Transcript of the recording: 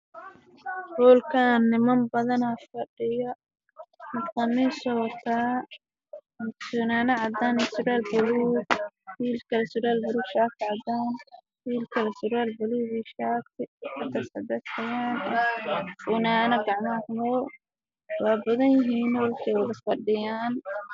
Waa hool ninman badan ay fadhiyaan